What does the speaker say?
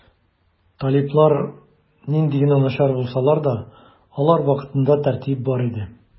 Талиблар нинди генә начар булсалар да, алар вакытында тәртип бар иде.